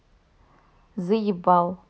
заебал